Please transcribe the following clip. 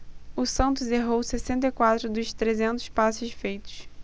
o santos errou sessenta e quatro dos trezentos passes feitos